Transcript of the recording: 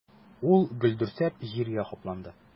Ул гөрселдәп җиргә капланды.